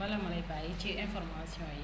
bala ma lay bàyyi ci information yi